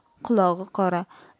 qulog'i qora